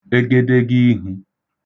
egedege ihū